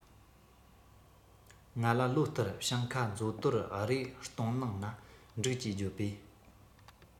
ང ལ ལོ ལྟར ཞིང ཁ མཛོ དོར རེ གཏོང གནང ན འགྲིག ཅེས བརྗོད པས